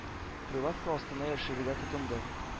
Прилавка астына яшерергә тотынды.